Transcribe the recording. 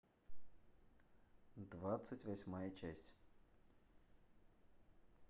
двадцать восьмая часть